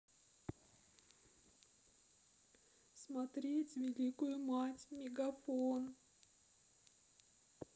смотреть великую мать мегафон